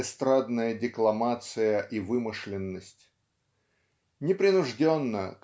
эстрадная декламация и вымышленность. Непринужденно